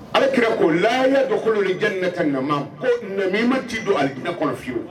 Ale kira ko laya dɔkolo ni ja ne ta ɲama mɛ min ma t cii don ale kɔnɔ fiyewu